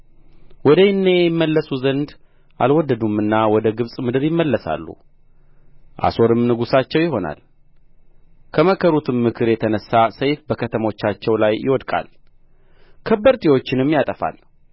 ወደ እኔ ይመለሱ ዘንድ አልወደዱምና ወደ ግብጽ ምድር ይመለሳሉ አሦርም ንጉሣቸው ይሆናል ከመከሩትም ምክር የተነሣ ሰይፍ በከተሞቻቸው ላይ ይወድቃል ከበርቴዎችንም ያጠፋል